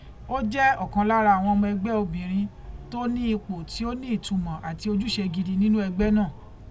Ó jẹ́ ọ̀kan lára àwọn ọmọ ẹgbẹ́ obìnrin tó ní ipò tí ó ní ìtùmọ̀ àti ojúṣe gidi nínú ẹgbẹ́ náà.